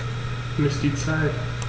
Miss die Zeit.